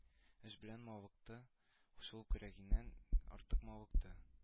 Эш белән мавыкты шул кирәгеннән артык мавыкты